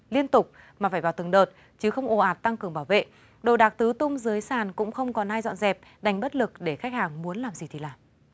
liên tục mà phải vào từng đợt chứ không ồ ạt tăng cường bảo vệ đồ đạc tứ tung dưới sàn cũng không còn ai dọn dẹp đành bất lực để khách hàng muốn làm gì thì làm